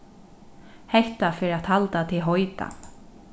hetta fer at halda teg heitan